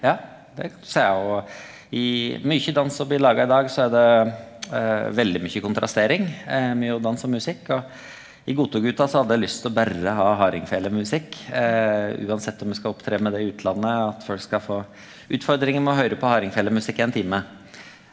ja det kan du seia, og i mykje dans som blir laga i dag så er det veldig mykje kontrastering mellom dans og musikk, og i GotoGuta så hadde eg lyst til å berre ha hardingfelemusikk uansett om me skal opptre med det i utlandet at folk skal få utfordringar med å høyre på hardingfelemusikk i ein time.